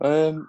yym